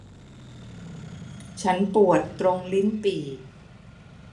ฉันปวดตรงลิ้นปี่